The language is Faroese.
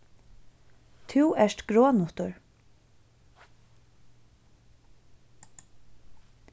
tú ert gronutur